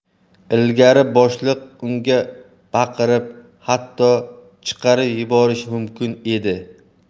ilgari boshliq unga baqirib hatto chiqarib yuborishi mumkin edi